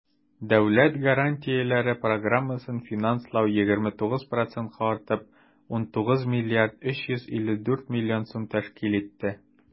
Дәүләт гарантияләре программасын финанслау 29 процентка артып, 19 млрд 354 млн сум тәшкил итте.